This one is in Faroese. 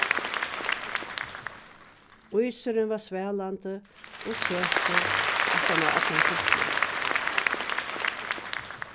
ísurin var svalandi og søtur aftan á allan fuglin